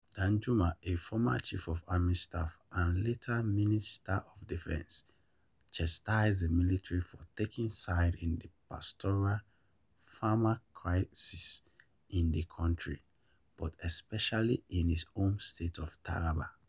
Danjuma, a former chief of army staff and later minister of defense, chastised the military for taking sides in the pastoral/farmer crisis in the country, but especially in his home state of Taraba.